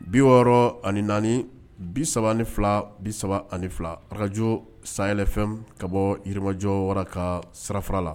Bi wɔɔrɔ ani naani bi3 ani fila bi3 ani fila ararakajo sayayɛlɛfɛn ka bɔ yiriremajɔo wara ka sirafara la